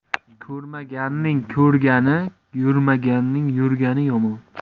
ko'rmaganning ko'rgani yurmaganning yurgani yomon